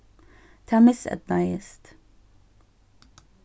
tað miseydnaðist